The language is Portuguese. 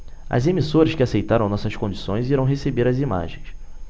as emissoras que aceitaram nossas condições irão receber as imagens